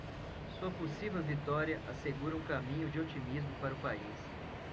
sua possível vitória assegura um caminho de otimismo para o país